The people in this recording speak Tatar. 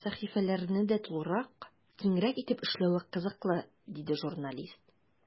Сәхифәләрне дә тулырак, киңрәк итеп эшләве кызыклы, диде журналист.